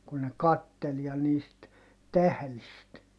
kun ne katseli ja niistä tähdistä